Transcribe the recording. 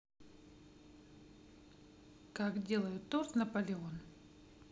как делают торт наполеон